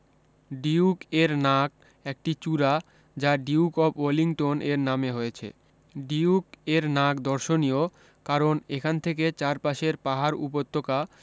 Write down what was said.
duke এর নাক একটি চূড়া যা ডিয়ুক অব ওয়েলিংটন এর নামে হয়েছে ডিয়ুক এর নাক দর্শনীয় কারণ এখান থেকে চারপাশের পাহাড় উপত্যকা